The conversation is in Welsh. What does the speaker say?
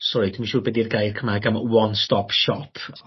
sori dwi'm siŵr be' 'di'r gair Cymraeg am one stop shop